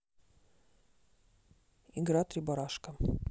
игра три барашка